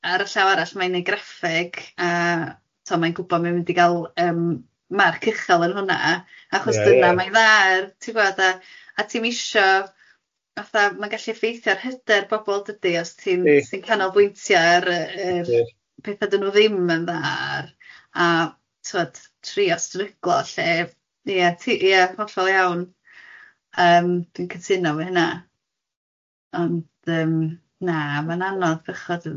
ar y llaw arall mae'n neud graffeg a timod mae'n gwbod mae'n mynd i gael yym marc uchel yn hwnna achos... Ie ie. ...dyna mae'n dda ar ti'n gwbod a a ti'm isio fatha ma'n gallu effeithio ar hyder bobl dydi.. Di. ...os ti'n ti'n canolbwyntio ar yy yr... Ie. ...petha dydyn nhw ddim yn dda a timod trio stryglo lly ie ti ie hollol iawn yym dwi'n cytuno efo hunna ond yym na ma'n anodd bychod i nhw yno.